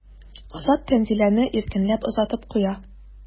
Азат Тәнзиләне иркенләп озатып куя.